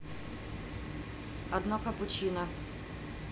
одно капучино